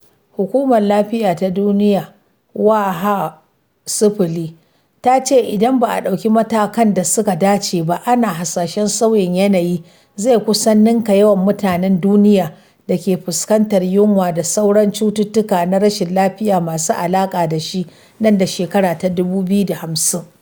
Hukumar Lafiya ta Duniya (WHO) ta ce idan ba a ɗauki matakan da suka dace ba, ana hasashen sauyin yanayi zai kusan ninka yawan mutanen duniya da ke fuskantar yunwa da sauran cutuka na rashin lafiya masu alaƙa da shi nan da shekara ta 2050.